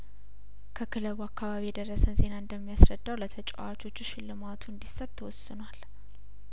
ከክለቡ አካባቢ የደረሰን ዜና እንደሚያስረዳው ለተጫዋቾቹ ሽልማቱ እንዲሰጥ ተወስኗል